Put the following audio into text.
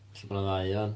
Ella bod 'na ddau 'wan.